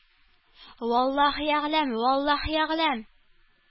-валлаһи әгълам, валлаһи әгълам.